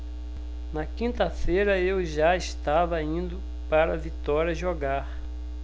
na quinta-feira eu já estava indo para vitória jogar